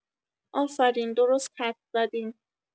آفرین درست حدس زدین